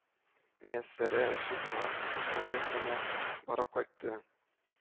Мияссәрә эшли торган культура йортына барып кайтты